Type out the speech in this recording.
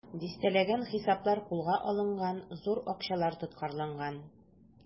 Дистәләгән хисаплар кулга алынган, зур акчалар тоткарланган.